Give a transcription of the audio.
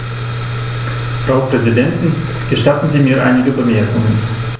Frau Präsidentin, gestatten Sie mir einige Bemerkungen.